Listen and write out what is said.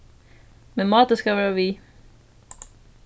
men máti skal vera við